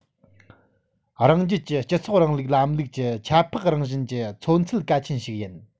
རང རྒྱལ གྱི སྤྱི ཚོགས རིང ལུགས ལམ ལུགས ཀྱི ཁྱད འཕགས རང བཞིན གྱི མཚོན ཚུལ གལ ཆེན ཞིག ཡིན